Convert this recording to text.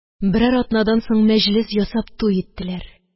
Берәр атнадан соң мәҗлес ясап туй иттеләр